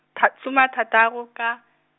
tha soma a thataro ka.